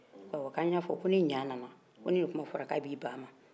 awɔ ko an y' a fɔ ko ni ɲaa nana ko ni nin kuma fɔra ko a bɛ ban a ma